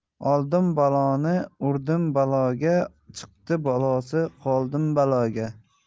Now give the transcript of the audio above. oldim baloni urdim baloga chiqdi balosi qoldim baloga